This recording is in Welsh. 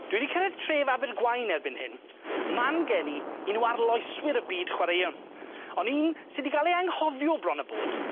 Dwi 'di cyrredd tref Abergwaun erbyn hyn man geni un o arloeswyr y byd chwaraeon on' un sy 'di ga'l ei anghofio bron a bod.